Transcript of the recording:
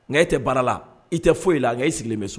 Nka e tɛ baara la, e tɛ foyi i la nka e sigilen bɛ so